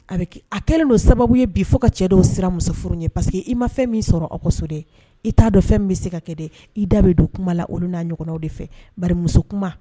A bɛ Kɛ a kɛlen don sababu ye bi fo ka cɛ dɔw siran muso furu ɲɛ parce que i ma fɛn min sɔrɔ aw ka so dɛ, i t'a dɔn fɛn min bɛ se ka kɛ dɛ, i da bɛ don kuma la olu n'a ɲɔgɔnw de fɛ. Bari muso kuma